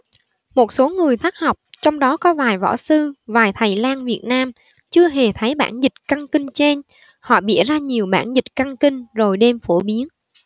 một số người thất học trong đó có vài võ sư vài thầy lang việt nam chưa hề thấy bản dịch cân kinh trên họ bịa ra nhiều bản dịch cân kinh rồi đem phổ biến